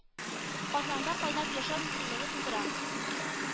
Казанында кайнап яшәү мөмкинлеге тудыра